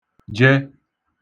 je